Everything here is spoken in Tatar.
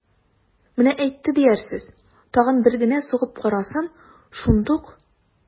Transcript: Менә әйтте диярсез, тагын бер генә сугып карасын, шундук...